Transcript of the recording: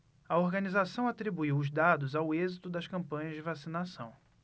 a organização atribuiu os dados ao êxito das campanhas de vacinação